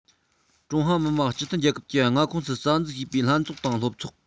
ཀྲུང ཧྭ མི དམངས སྤྱི མཐུན རྒྱལ ཁབ ཀྱི མངའ ཁོངས སུ རྩ འཛུགས བྱས པའི ལྷན ཚོགས དང སློབ ཚོགས